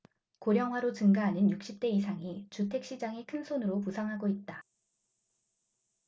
고령화로 증가하는 육십 대 이상이 주택 시장의 큰손으로 부상하고 있다